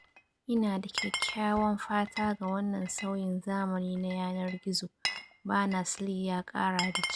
Ina da kyakyawan fata ga wannan sauyin zamani na yanar gizo, “berners -lee ya kara da cewa.